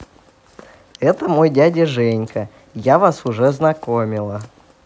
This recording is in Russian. это мой дядя женька я вас уже знакомила